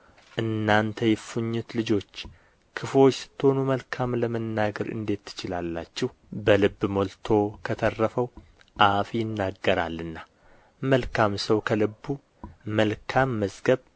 እናንተ የእፉኝት ልጆች ክፉዎች ስትሆኑ መልካም ለመናገር እንዴት ትችላላችሁ በልብ ሞልቶ ከተረፈው አፍ ይናገራልና መልካም ሰው ከልቡ መልካም መዝገብ